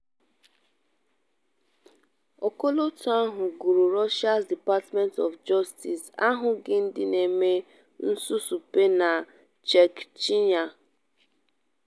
Ọkọlọtọ ahụ kwuru: RUSSIA'S DEPARTMENT OF JUSTICE ahụghị ndị na-eme susupe na CHECHNYA.